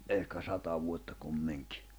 ehkä sata vuotta kumminkin